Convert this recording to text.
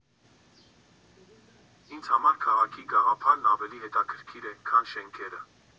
Ինձ համար քաղաքի գաղափարն ավելի հետաքրքիր է, քան շենքերը։